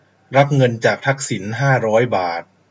รับเงินจากทักษิณห้าร้อยบาท